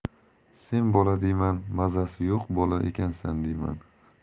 sen bola diyman mazasi yo'q bola ekansan diyman